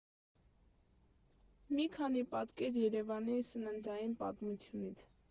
Մի քանի պատկեր Երևանի սննդային պատմությունից։